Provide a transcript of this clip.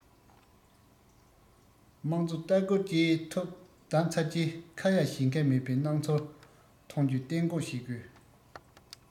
དམངས གཙོ ལྟ སྐུལ བཅས ཐུབ བདམས ཚར རྗེས ཁ ཡ བྱེད མཁན མེད པའི སྣང ཚུལ ཐོན རྒྱུ གཏན འགོག བྱེད དགོས